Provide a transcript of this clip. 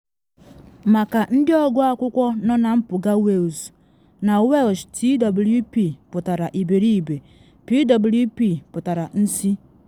Maka ndị ọgụ akwụkwọ nọ na mpụga Wales: Na Welsh twp pụtara iberibe, pwp pụtara nsị.